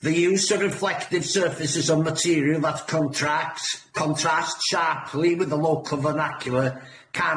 The use of reflective surfaces of material that contracts contrasts sharply with the local vernacular can be a reason for refusal.